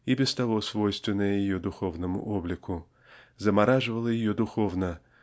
и без того свойственные ее духовному облику замораживало ее духовно